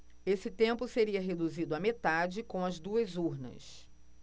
esse tempo seria reduzido à metade com as duas urnas